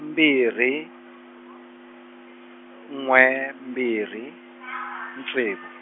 mbirhi, n'we mbirhi , ntsevu.